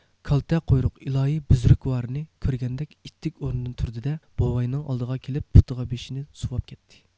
كالتە قۇيرۇق ئىلاھىي بۈزرۈكۋارىنى كۆرگەندەك ئىتتىك ئورنىدىن تۇردى دە بوۋاينىڭ ئالدىغا كېلىپ پۇتىغا بېشىنى سۇۋاپ كەتتى